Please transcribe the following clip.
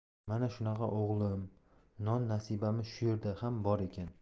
mana shunaqa o'g'lim non nasibamiz shu yerda ham bor ekan